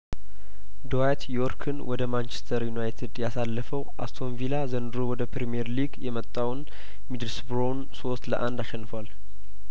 ድዋይት ዮርክን ወደ ማንችስተር ዩናይትድ ያሳለፈው አስቶንቪላ ዘንድሮ ወደ ፕሪምየር ሊግ የመጣውን ሚድልስብሮውን ሶስት ለአንድ አሸንፏል